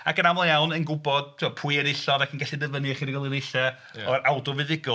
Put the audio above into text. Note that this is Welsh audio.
Ac yn aml iawn yn gwbod tibod pwy enillodd ac yn gallu dyfynu 'chydig o linellau... ia. ...o'r awdl fuddugol.